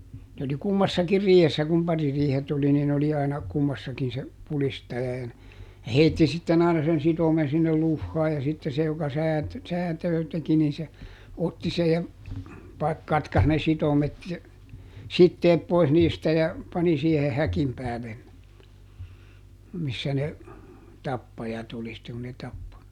ne oli kummassakin riihessä kun paririihet oli niin oli aina kummassakin se pudistaja ja - ja heitti sitten aina sen sitomen sinne luhaan ja sitten se joka - säätöä teki niin se otti sen ja - katkaisi ne sitomet ja siteet pois niistä ja pani siihen häkin päälle ne missä ne tappajat oli sitten kun ne tappoi